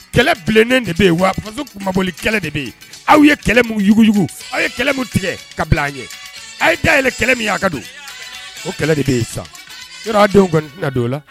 Kɛlɛ bilennen de bɛ yen wa muso maoli kɛlɛ de bɛ yen aw ye kɛlɛ munugu aw ye kɛlɛ min tigɛ ka bila an ye a ye da yɛlɛ kɛlɛ min' ka don o kɛlɛ de bɛ yen san denw kɔni don o la